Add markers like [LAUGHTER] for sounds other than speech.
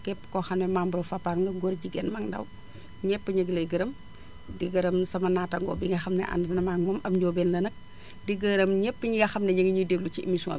képp koo xam ne membre Fapal nga góor jigéen mag ak ndaw [NOISE] ñëpp énu ngi lay gërëm di gërëm sama naatango bi nga xam ne ànd nama ak moom ab njóobeen la nag di gërëm ñëpp ñi nga xam ne énu ngi ñuy déglu ci émission bi